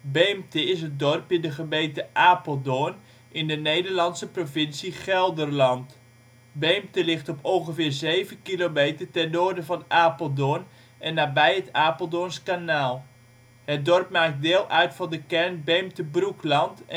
Beemte is een dorp in de gemeente Apeldoorn, Nederlandse provincie Gelderland. Beemte ligt op ongeveer 7 kilometer ten noorden van Apeldoorn en nabij het Apeldoorns kanaal. Het dorp maakt deel uit van de kern Beemte-Broekland